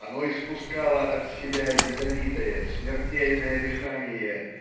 оно испускало от себя ядовитое смертельное дыхание